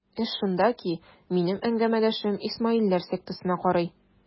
Эш шунда ки, минем әңгәмәдәшем исмаилләр сектасына карый.